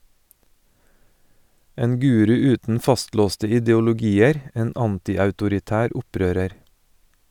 En guru uten fastlåste ideologier, en antiautoritær opprører.